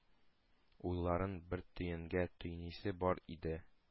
Уйларын бер төенгә төйнисе бар иде.